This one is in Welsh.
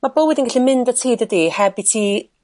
ma' bywyd yn gallu mynd a ti dydi? Heb i ti